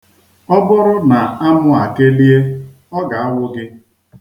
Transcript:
Ọ bụrụ na amụ a kelie, ọ ga-awụ gị.